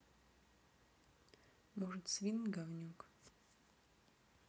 может swing говнюк